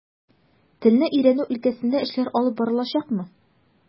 Телне өйрәнү өлкәсендә эшләр алып барылачакмы?